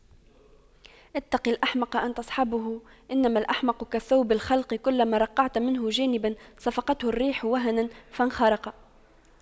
اتق الأحمق أن تصحبه إنما الأحمق كالثوب الخلق كلما رقعت منه جانبا صفقته الريح وهنا فانخرق